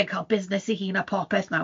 Ma' fe'n cael busnes ei hun a popeth nawr,